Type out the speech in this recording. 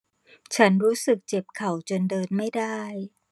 ฉันรู้สึกเจ็บเข่าจนเดินไม่ได้